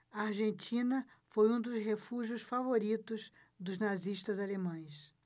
a argentina foi um dos refúgios favoritos dos nazistas alemães